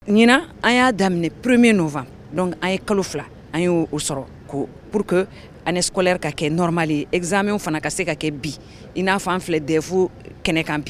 Ɲinan, an y'a daminɛ 1er novembre donc kalo fila an ye kalo fila an ye o sɔrɔ ko pour que année scolaire ka kɛ normale ye examens fana ka se ka kɛ bi i n'a fɔ an filɛ DEF kɛnɛ kan bi